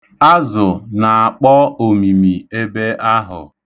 Azụ na-akpọ omimi ebe ahụ.